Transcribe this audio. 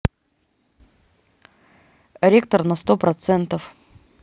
реактор на сто процентов